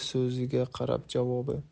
so'ziga qarab javobi